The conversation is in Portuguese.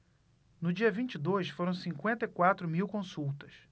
no dia vinte e dois foram cinquenta e quatro mil consultas